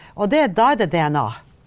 og det da er det DNA.